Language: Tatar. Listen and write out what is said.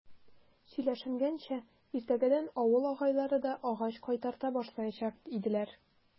Сөйләшенгәнчә, иртәгәдән авыл агайлары да агач кайтарта башлаячак иделәр.